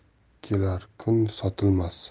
kelar kun sotilmas